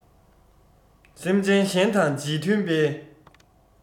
སེམས ཅན གཞན དང རྗེས མཐུན པའི